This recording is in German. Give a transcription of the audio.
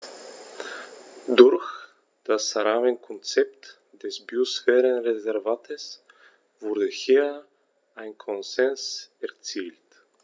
Durch das Rahmenkonzept des Biosphärenreservates wurde hier ein Konsens erzielt.